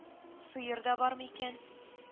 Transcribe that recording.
Ыер да бармы икән? с